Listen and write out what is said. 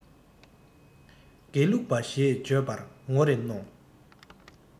དགེ ལུགས པ ཞེས བརྗོད པར ངོ རེ གནོང